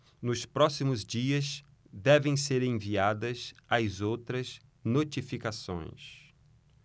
nos próximos dias devem ser enviadas as outras notificações